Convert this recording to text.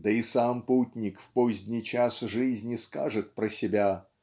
Да и сам путник в поздний час жизни скажет про себя